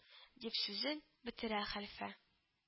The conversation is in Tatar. – дип сүзен бетерә хәлфә